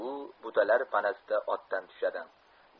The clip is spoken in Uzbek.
u butalar panasida otdan tushadi